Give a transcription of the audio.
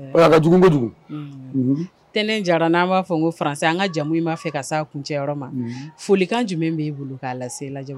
A ka dugubugudugu ntɛnɛn jara n'an b'a fɔ ko faran an ka jamumu in'a fɛ ka' a kuncɛyɔrɔ ma folikan jumɛn b'i bolo' laseja